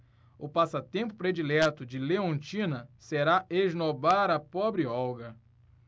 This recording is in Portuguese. o passatempo predileto de leontina será esnobar a pobre olga